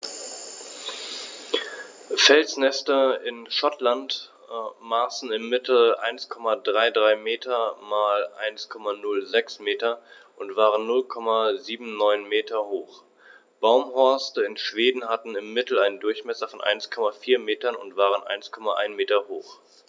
Felsnester in Schottland maßen im Mittel 1,33 m x 1,06 m und waren 0,79 m hoch, Baumhorste in Schweden hatten im Mittel einen Durchmesser von 1,4 m und waren 1,1 m hoch.